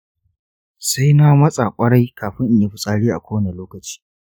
sai na matsa ƙwarai kafin in yi fitsari a kowane lokaci.